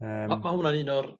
Yym. Ma' ma' hwnna un o'r